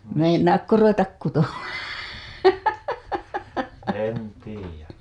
meinaatko ruveta kutomaan